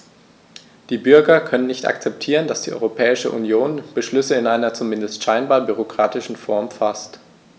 Die Bürger können nicht akzeptieren, dass die Europäische Union Beschlüsse in einer, zumindest scheinbar, bürokratischen Form faßt.